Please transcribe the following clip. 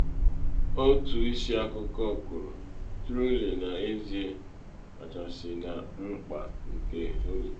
Otu isi akụkọ kwuru: “Truly n’ezie kachasị na mkpa nke Holly.